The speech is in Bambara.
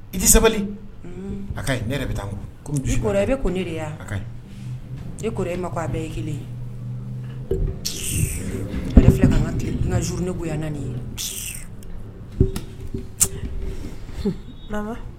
I di sabali a ne bɛ taa e bɛ ko ne de ne e ma ko a bɛɛ ye kelen ye ale n ka zuru nego yan ye